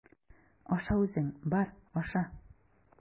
Аша үзең, бар, аша!